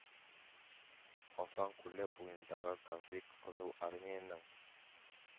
Хасан күле буендагы конфликт Кызыл армиянең